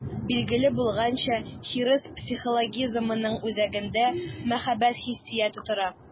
Билгеле булганча, хирыс психологизмының үзәгендә мәхәббәт хиссияте тора.